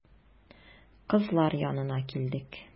Кызлар янына килдек.